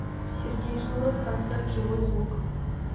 сергей шнуров концерт живой звук